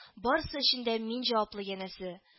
Барысы өчен дә мин җаваплы янәсе